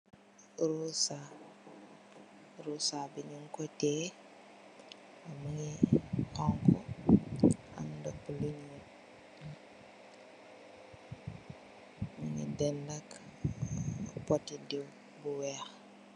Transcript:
Roosa, roosa bi ñing ko teyeh mugii xonxu am ndapulu ñuul, denda ak pôtti diw bu wèèx.